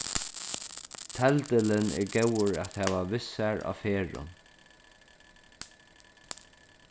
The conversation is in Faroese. teldilin er góður at hava við sær á ferðum